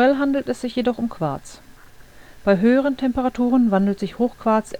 handelt es sich jedoch um Quarz. Bei höheren Temperaturen wandelt sich Hochquarz